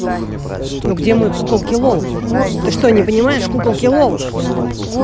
ну где мой куколки лол ты что не понимаешь куколки лол